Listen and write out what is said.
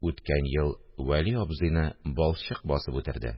Үткән ел Вәли абзыйны балчык басып үтерде